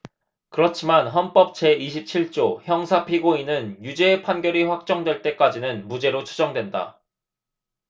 그렇지만 헌법 제 이십 칠 조 형사피고인은 유죄의 판결이 확정될 때까지는 무죄로 추정된다